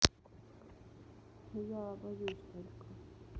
а я боюсь только